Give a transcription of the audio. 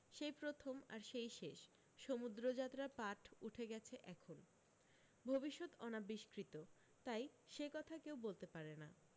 সেই প্রথম আর সেই শেষ সমুদ্রযাত্রার পাট উঠে গেছে এখন ভবিষ্যত অনাবিষ্কৃত তাই সে কথা কেউ বলতে পারে না